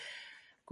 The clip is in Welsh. [anadl]